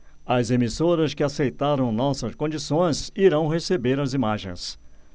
as emissoras que aceitaram nossas condições irão receber as imagens